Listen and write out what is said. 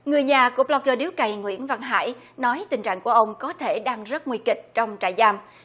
người nhà của bờ lóc gơ điếu cày nguyễn văn hải nói tình trạng của ông có thể đang rất nguy kịch trong trại giam